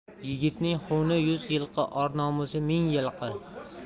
yigitning xuni yuz yilqi or nomusi ming yilqi